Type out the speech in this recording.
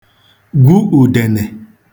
gwu ùdènè